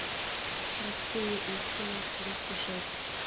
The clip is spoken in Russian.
простые истины двести шесть